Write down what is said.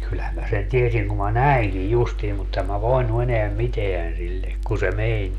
kyllähän minä sen tiesin kun minä näinkin justiin mutta en minä voinut enää mitään sille kun se meni